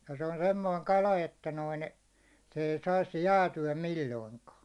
ja se on semmoinen kala että noin se ei saisi jäätyä milloinkaan